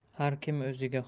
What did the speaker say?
har kim o'ziga